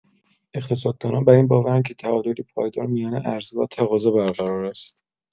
اقتصاددانان بر این باورند که تعادلی پایدار میان عرضه و تقاضا برقرار است.